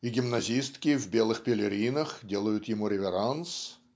и гимназистки в белых пелеринах делают ему реверанс"